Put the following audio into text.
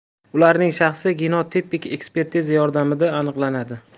ularning shaxsi genotipik ekspertiza yordamida aniqlanadi